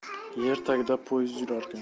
yer tagida poyiz yurarkan